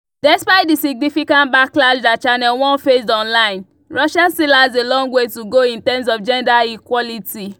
Despite the significant backlash that Channel One faced online, Russia still has a long way to go in terms of gender equality.